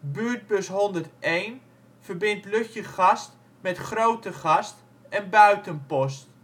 Buurtbus 101 verbindt Lutjegast met Grootegast en Buitenpost